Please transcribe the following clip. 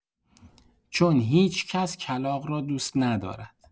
چون هیچ‌کس کلاغ را دوست ندارد.